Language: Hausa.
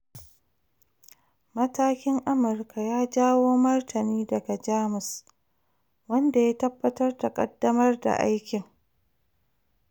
Matakin Amurka ya jawo martani daga Jamus, wanda ya tabbatar da ƙaddamar da aikin.